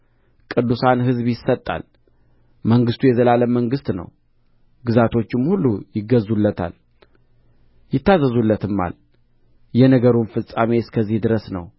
ቅዱሳን ሕዝብ ይሰጣል መንግሥቱ የዘላለም መንግሥት ነው ግዛቶችም ሁሉ ይገዙለታል ይታዘዙለትማል የነገሩም ፍጻሜ እስከዚህ ድረስ ነው